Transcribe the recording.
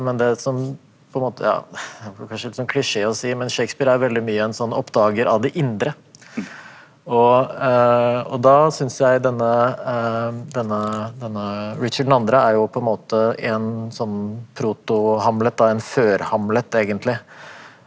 men det som på en måte ja blir kanskje litt sånn klisjé å si men Shakespeare er veldig mye en sånn oppdager av det indre og og da syns jeg denne denne denne Richard den andre er jo på en måte en sånn proto-Hamlet da en før-Hamlet egentlig.